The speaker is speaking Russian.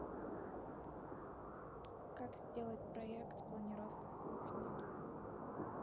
как сделать проект планировка кухни